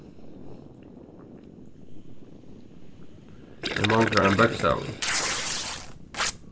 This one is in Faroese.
her manglar ein bókstavur